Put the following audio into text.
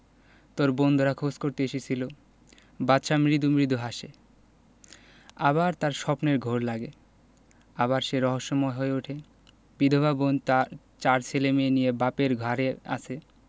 তোর বন্ধুরা খোঁজ করতে এসেছিলো বাদশা মৃদু মৃদু হাসে আবার তার স্বপ্নের ঘোর লাগে আবার সে রহস্যময় হয়ে উঠে বিধবা বোন চার ছেলেমেয়ে নিয়ে বাপের ঘাড়ে আছে